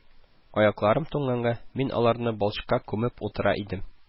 Аякларым туңганга, мин аларны балчыкка күмеп утыра идем